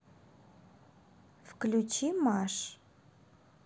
включи маш